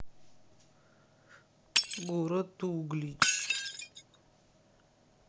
город углич